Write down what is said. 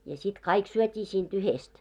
ja sitten kaikki syötiin siitä yhdestä